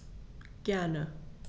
Gerne.